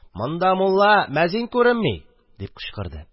Монда мулла беләлн мәзин күренми?! – дип кычкырды